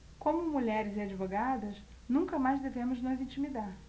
como mulheres e advogadas nunca mais devemos nos intimidar